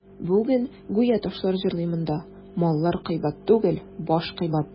Бүген гүя ташлар җырлый монда: «Маллар кыйбат түгел, баш кыйбат».